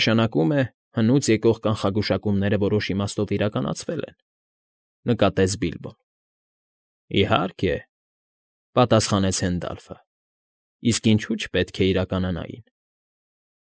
Նշանակում է հնուց եկող կանխագուշակումները որոշ իմաստով իրականացել են,֊ նկատեց Բիլբոն։ ֊ Իհարկե…֊ պատասխանեց Հենդալֆը։֊ Իսկ ինչու չպետք է իրականանային։